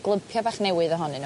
glympia bach newydd ohonyn n'w.